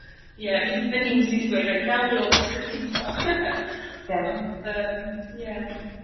ie fi'n yn un sy'n gallu gweud reit naw o'r gloch dachre peinto. Ie. Ond yym ie.